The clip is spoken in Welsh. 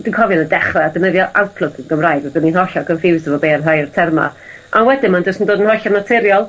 dwi'n cofio yn y dechre defnyddio Outlook yn Gymraeg. Oddan i'n hollol confused efo be' odd rhai o'r terma, a wedyn mae o'n jyst yn dod yn well yn naturiol.